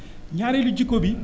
ñaareelu jikko bi